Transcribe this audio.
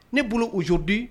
Ne bolo Aujourd'hui